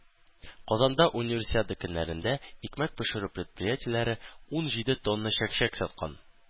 Казанда Универсиада көннәрендә икмәк пешерү предприятиеләре ун җиде тонна чәк-чәк саткан.